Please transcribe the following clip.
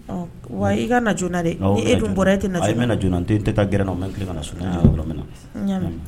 Ɔn wa i ka na joona dɛ awɔ n'bena joona ni e dun bɔra e tɛna na joona ayi i bɛna na joona n'tɛ taa grin naw n'bɛ n'kilen ka na so awɔ ni n'jigila dɔron n'bɛna so n'ya min